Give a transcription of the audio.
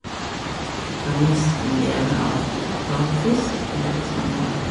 Vi kan nesten leve av g bare fisk hele sommeren.